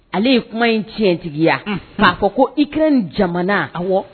Ale ye kuma in tiɲɛtigiyaunhun, k'a fɔ ko Ikɛrɛni jamana, awɔ